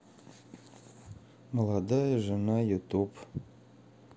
молодая жена ютуб